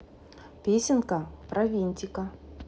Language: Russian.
песенка про винтика